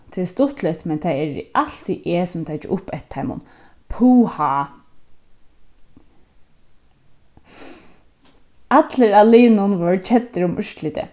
tað er stuttligt men tað eri altíð eg sum taki upp eftir teimum puha allir á liðnum vóru keddir um úrslitið